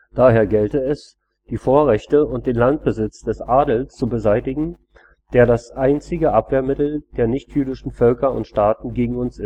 Daher gelte es, die Vorrechte und den Landbesitz des Adels zu beseitigen, der „ das einzige Abwehrmittel der nicht jüdischen Völker und Staaten gegen uns